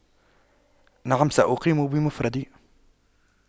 نعم سأقيم بمفردي